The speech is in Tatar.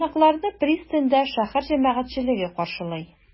Кунакларны пристаньда шәһәр җәмәгатьчелеге каршылый.